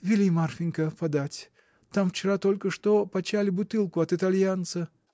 — Вели, Марфинька, подать: там вчера только что почали бутылку от итальянца.